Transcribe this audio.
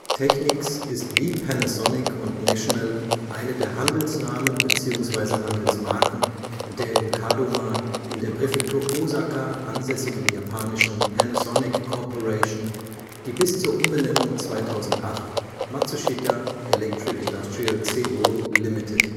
Technics ist wie Panasonic und National eine der Handelsnamen bzw. - marken der in Kadoma (Präfektur Ōsaka) ansässigen japanischen Panasonic Corporation, die bis zur Umbenennung 2008 Matsushita Electric Industrial Co. Ltd. hieß